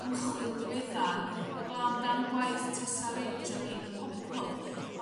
ymchwil diweddar heblaw am dan gwaith Tessa Ridge a